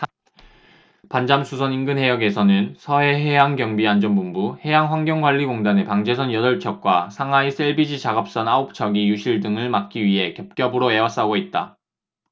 반잠수선 인근해역에는 서해해양경비안전본부 해양환경관리공단의 방제선 여덟 척과 상하이 샐비지 작업선 아홉 척이 유실 등을 막기 위해 겹겹으로 에워싸고 있다